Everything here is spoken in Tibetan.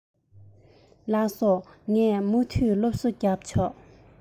ལགས སོ ངས མུ མཐུད སློབ གསོ རྒྱབ ཆོག